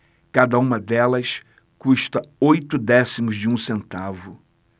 cada uma delas custa oito décimos de um centavo